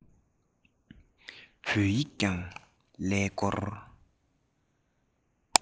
བོད ཡིག ཀྱང ཀླད ཀོར